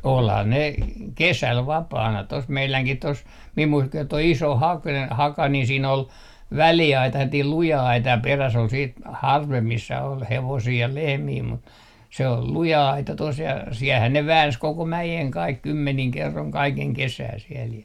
olihan ne kesällä vapaana tuossa meidänkin tuossa minun - tuo iso - haka niin siinä oli väliaita sellainen luja aita ja perässä oli sitten harvempi missä oli hevosia ja lehmiä mutta se oli luja aita tuossa ja siellähän ne väänsi koko mäen kaikki kymmenin kerroin kaiken kesää siellä ja